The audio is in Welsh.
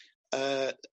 yy